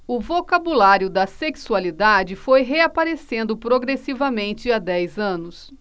o vocabulário da sexualidade foi reaparecendo progressivamente há dez anos